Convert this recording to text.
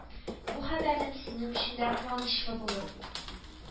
Бу хәбәрем сезнең өчен дә куанычлы булыр